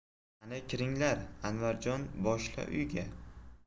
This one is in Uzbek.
qani kiringlar anvarjon boshla uyga